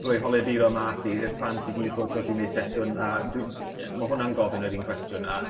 roi holiaduron mas i- i'r plant i gyd pob tro ti neu' sesiwn a dwi' m-... Ie. ...ma' hwnna'n gofyn yr un cwestiwn a